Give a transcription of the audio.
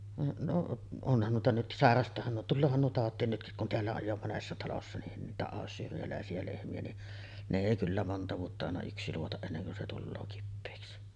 no onhan noita nyt sairastaahan nuo tuleehan nuo tautiin nytkin kun täällä on jo monessa talossa niin niitä ayshireläisiä lehmiä niin ne ei kyllä monta vuotta aina yksi luota ennen kuin se tulee kipeäksi